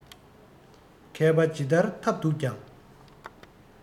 མཁས པ ཇི ལྟར ཐབས རྡུགས ཀྱང